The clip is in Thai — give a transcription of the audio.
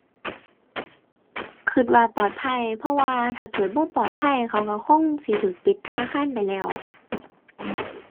คิดว่าปลอดภัยเพราะว่าถ้าเกิดบ่ปลอดภัย เขาคิดคงสิคิดปิดธนาคารไปแล้ว